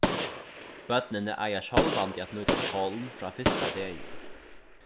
børnini eiga sjálvandi at nýta hjálm frá fyrsta degi